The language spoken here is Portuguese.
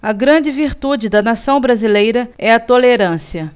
a grande virtude da nação brasileira é a tolerância